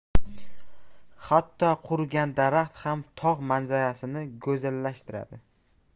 hatto qurigan daraxt ham tog' manzarasini go'zallashtiradi